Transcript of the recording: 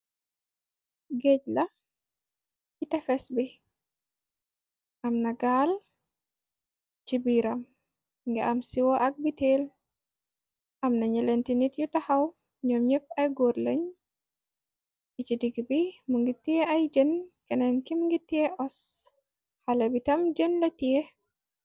Géej la citefes bi amna gaal ci biiram ngi am siwoo. Ak bitéel amna ñëlenti nit yu taxaw ñoom ñepp ay góor lañ yi ci digg bi. Mu ngir tée ay jën keneen kim ngir tée os xalé bi tam jën la tie.